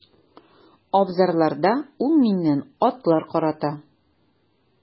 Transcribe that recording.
Абзарларда ул миннән атлар карата.